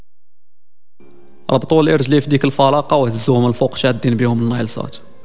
ابطال ارسل يفديك الفارقه والزوامل فوق شادين فيهم النايل سات